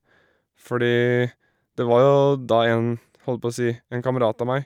Fordi det var jo da, en holdt på si, en kamerat av meg.